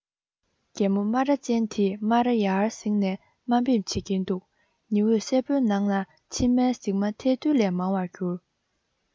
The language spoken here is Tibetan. རྒད པོ སྨ ར ཅན དེས སྨ ར ཡང གཟེངས ནས དམའ འབེབས བྱེད ཀྱིན འདུག ཉི འོད སེར པོའི ནང ན མཆིལ མའི ཟེགས མ ཐལ རྡུལ ལས མང བར གྱུར